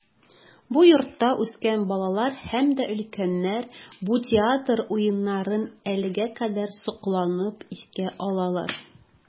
Бу йортта үскән балалар һәм дә өлкәннәр бу театр уеннарын әлегә кадәр сокланып искә алалар.